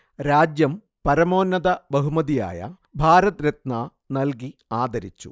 രാജ്യം പരമോന്നത ബഹുമതിയായ ഭാരതരത്ന നൽകി ആദരിച്ചു